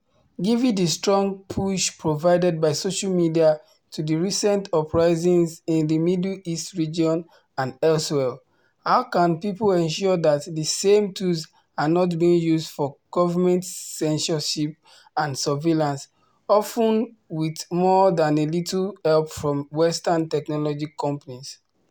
Given the strong push provided by social media to the recent uprisings in the Middle East region and elsewhere, how can people ensure that the same tools are not being used for government censorship and surveillance (often with more than a little help from Western technology companies)?